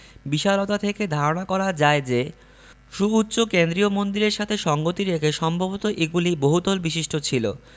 বিশালতা থেকে ধারণা করা যায় যে সুউচ্চ কেন্দ্রীয় মন্দিরের সাথে সঙ্গতি রেখে সম্ভবত এগুলি বহুতল বিশিষ্ট ছিল